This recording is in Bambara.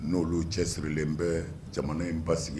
N'olu cɛsirilen bɛ jamana in ba sigili